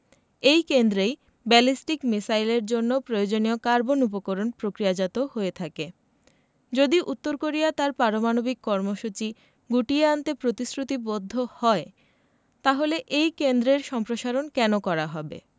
এই কেন্দ্রেই ব্যালিস্টিক মিসাইলের জন্য প্রয়োজনীয় কার্বন উপকরণ প্রক্রিয়াজাত হয়ে থাকে যদি উত্তর কোরিয়া তার পারমাণবিক কর্মসূচি গুটিয়ে আনতে প্রতিশ্রুতিবদ্ধ হয় তাহলে এই কেন্দ্রের সম্প্রসারণ কেন করা হবে